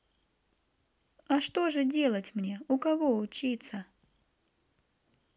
а что же делать мне у кого учиться